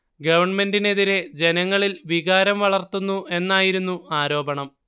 ഗവണ്മെന്റിനു എതിരെ ജനങ്ങളിൽ വികാരം വളർത്തുന്നു എന്നായിരുന്നു ആരോപണം